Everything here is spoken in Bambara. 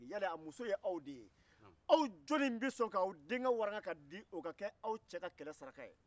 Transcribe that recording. amuso ye aw de ye aw jumɛn bɛ sɔn k'aw denkɛ walaka k'o di o ka kɛ aw cɛ ka kɛlɛ saraka ye